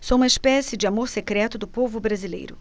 sou uma espécie de amor secreto do povo brasileiro